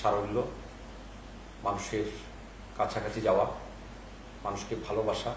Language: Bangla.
সারল্য মানুষের কাছাকাছি যাওয়া মানুষকে ভালোবাসা